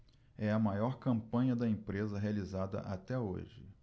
é a maior campanha da empresa realizada até hoje